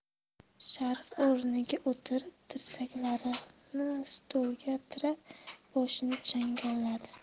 sharif o'rniga o'tirib tirsaklarini stolga tirab boshini changalladi